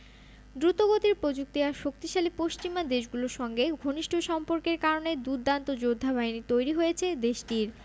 দ্রুতগতির প্রযুক্তি আর শক্তিশালী পশ্চিমা দেশগুলোর সঙ্গে ঘনিষ্ঠ সম্পর্কের কারণে দুর্দান্ত যোদ্ধাবাহিনী তৈরি হয়েছে দেশটির